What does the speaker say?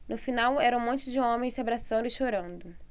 no final era um monte de homens se abraçando e chorando